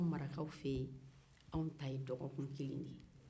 dɔgɔkun kelen don marakaw fɛ yen